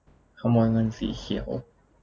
ขโมยเงินสีเขียว